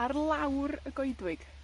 Ar lawr y goedwig,